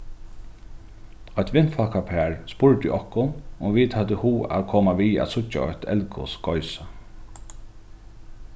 eitt vinfólkapar spurdi okkum um vit høvdu hug at koma við at síggja eitt eldgos goysa